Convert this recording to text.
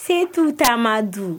Se t'u taama dun